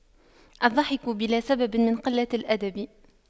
الضحك بلا سبب من قلة الأدب